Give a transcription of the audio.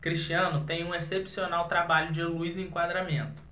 cristiano tem um excepcional trabalho de luz e enquadramento